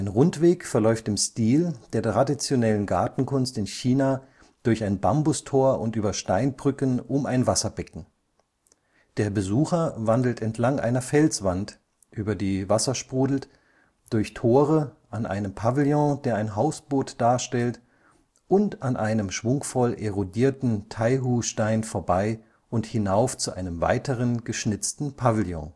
Rundweg verläuft im Stil der traditionellen Gartenkunst in China durch ein Bambustor und über Steinbrücken um ein Wasserbecken. Der Besucher wandert entlang einer Felswand, über die Wasser sprudelt, durch Tore, an einem Pavillon, der ein Hausboot darstellt, und an einem schwungvoll erodierten Taihu-Stein vorbei und hinauf zu einem weiteren, geschnitzten Pavillon